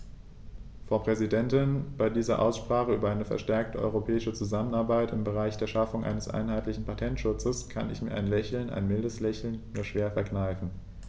Frau Präsidentin, bei dieser Aussprache über eine verstärkte europäische Zusammenarbeit im Bereich der Schaffung eines einheitlichen Patentschutzes kann ich mir ein Lächeln - ein mildes Lächeln - nur schwer verkneifen.